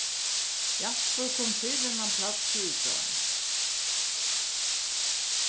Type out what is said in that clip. jaspur kom fyrr enn hann plagdi í gjár